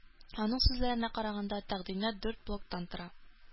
Аның сүзләренә караганда, тәкъдимнәр дүрт блоктан тора.